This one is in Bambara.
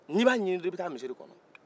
nin b'a ɲinin dɔrɔn i b'i taa misirikɔnɔ